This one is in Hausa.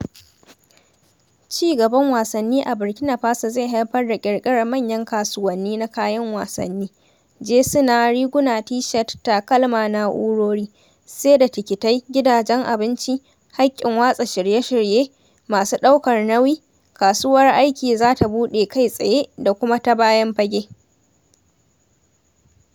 Ci gaban wasanni a Burkina Faso zai haifar da ƙirƙirar manyan kasuwanni na kayan wasanni (jesuna, rigunan T-shirt, takalma, na'urori), saida tikitai, gidajen abinci, haƙƙin watsa shirye-shirye, masu ɗaukar nauyi... Kasuwar aiki za ta buɗe kai tsaye da kuma ta bayan fage .